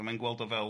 a mae'n gweld o fel,